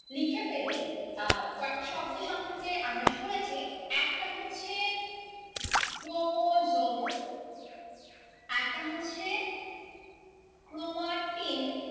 লিখে ফেলি কয়েকটা শব্দ সম্পর্কে আমরা শুনেছি একটা হচ্ছে ক্রোমোজোম আরেকটা হচ্ছে ক্রোমাটিন